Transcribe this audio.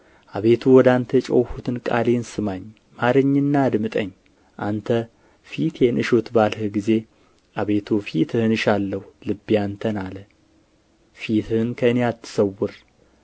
አቤቱ ወደ አንተ የጮኽሁትን ቃሌን ስማኝ ማረኝና አድምጠኝ አንተ ፊቴን እሹት ባልህ ጊዜ አቤቱ ፊትህን እሻለሁ ልቤ አንተን አለ ፊትህን ከእኔ አትሰውር